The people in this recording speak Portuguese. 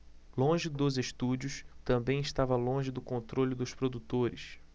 longe dos estúdios também estava longe do controle dos produtores